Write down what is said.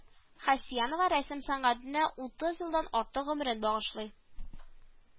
Хәсьянова рәсем сәнгатенә утыз елдан артык гомерен багышлый